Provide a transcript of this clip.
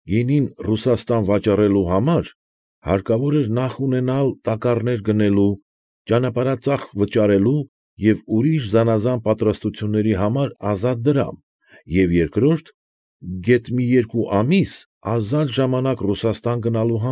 Գինին Ռուսաստան վաճառահանելու համար հարկավոր էր նախ ունենալ տակառներ գնելու, ճանապարհածախք վճարելու և ուրիշ զանաղան պատրաստությունների համար ազատ դրամ և երկրորդ, գեթ մի երկու ամիս ազատ ժամանակ Ռուսաստան գնալ գալու։